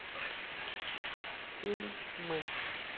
фильм мы